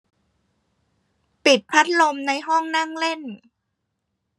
ปิดพัดลมในห้องนั่งเล่น